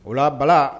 O la bala